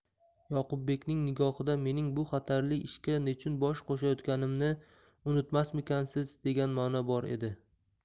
yoqubbekning nigohida mening bu xatarli ishga nechun bosh qo'shayotganimni unutmasmikansen degan mano bor edi